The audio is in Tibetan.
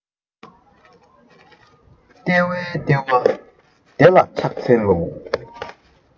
ལྟེ བའི ལྟེ བ དེ ལ ཕྱག འཚལ ལོ